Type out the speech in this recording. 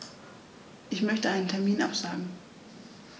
Ich möchte einen Termin absagen.